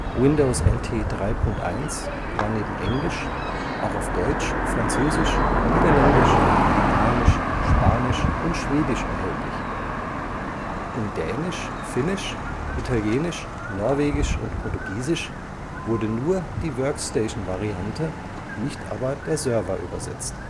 Windows NT 3.1 war neben Englisch auch auf Deutsch, Französisch, Niederländisch, Japanisch, Spanisch und Schwedisch erhältlich. In Dänisch, Finnisch, Italienisch, Norwegisch und Portugiesisch wurde nur die Workstation-Variante, nicht aber der Server übersetzt